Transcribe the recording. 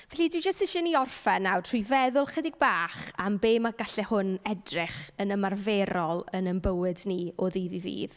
Felly, dwi jyst isie ni orffen nawr trwy feddwl chydig bach am be mae... gallai hwn edrych yn ymarferol yn ein bywyd ni o ddydd i ddydd.